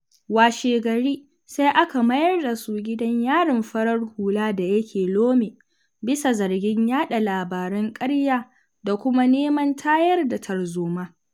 Washe-gari, sai aka mayar da su gidan Yarin farar hula da yake Lomé bisa zargin yaɗa labaran ƙarya da kuma neman tayar da tarzoma.